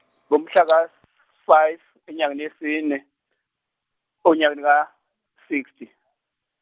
ngomhlaka- five enyangeni yesine, onyakeni ka- sixty.